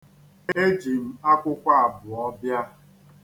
Eji m akwụkwọ abụọ bịa.